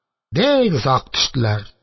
Бик озак төштеләр